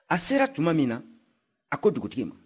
a sera tuma min na a ko dugutigi ma